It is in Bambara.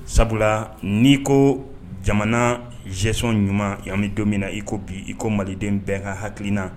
Sabula n'i ko jamana gestion ɲuman an bɛ don min na i ko bi iko maliden bɛ ka hakilina